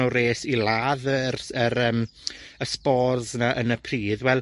o res i ladd yr s- yr yym, y sbors 'na yn y pridd. Wel,